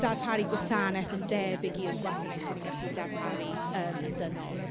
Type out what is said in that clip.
darparu gwasanaeth yn debyg i'r gwasanaethau ni'n gallu darparu yym yn ddynol.